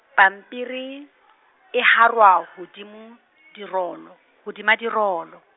pampiri, e hara hodimo, dirolo, hodima dirolo.